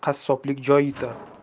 qassoblik joy yitar